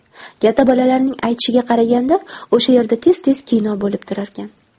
katta bolalarning aytishiga qaraganda o'sha yerda tez tez kino bo'lib turarkan